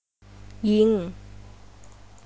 ยิง